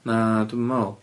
Na, dwi'm yn me'wl.